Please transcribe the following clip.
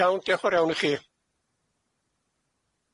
Iawn diolch yn fawr iawn i chi.